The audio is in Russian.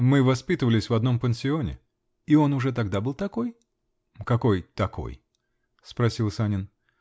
-- Мы воспитывались в одном пансионе. -- И он уже тогда был такой? -- Какой "такой"? -- спросил Санин.